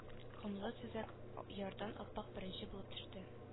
Комлы сөзәк ярдан аппак беренче булып төште